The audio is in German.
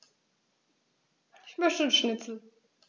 Ich möchte Schnitzel.